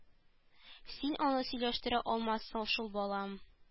Син аны сөйләштерә алмассың шул балам